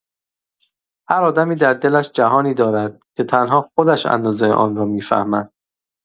هر آدمی در دلش جهانی دارد که تنها خودش اندازه آن را می‌فهمد.